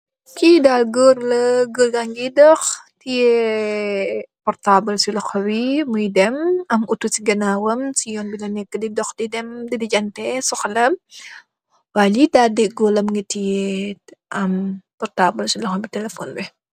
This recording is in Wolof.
Kii daal Goor la, Goor ga ngee doxtiye potaabul si loxom bi. Muy dem am Otto si ganaawam ,si Yoon wi la neekë di dem di lijanti soxlaam.